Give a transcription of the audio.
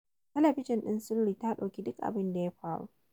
Talabijin ɗin sirri ta ɗauki duk abin da ya faru.